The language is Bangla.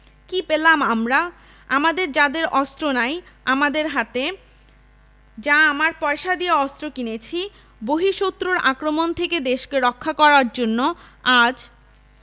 কি পেলাম আমরা আমাদের যাদের অস্ত্র নাই আমাদের হাতে যা আমার পয়সা দিয়ে অস্ত্র কিনেছি বহিঃ শত্রুর আক্রমণ থেকে দেশকে রক্ষা করার জন্য আজ